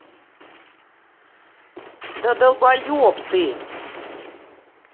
да долбоеб ты